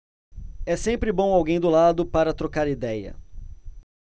é sempre bom alguém do lado para trocar idéia